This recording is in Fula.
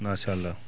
machallah